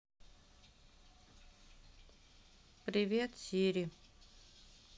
привет сири